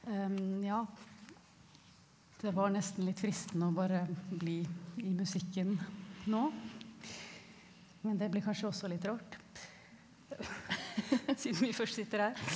ja det var nesten litt fristende å bare bli i musikken nå, men det blir kanskje også litt rart siden vi først sitter her.